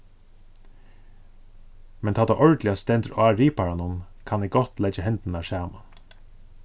men tá tað ordiliga stendur á riparanum kann eg gott leggja hendurnar saman